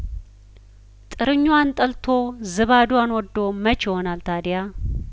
ጥርኟን ጠልቶ ዝባዷን ወዶ መች ይሆናል ታዲያ